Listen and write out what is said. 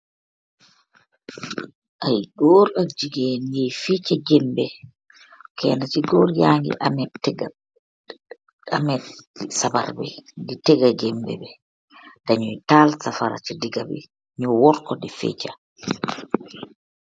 Ay goor ak gigeen ñuuy fecci gibeh, Kenna ci goor yangi ameh sabarr bi di tegga gibeh bi, dañeh tahal safara war ko di fecci.